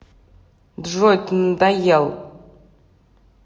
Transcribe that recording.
джой ты надоел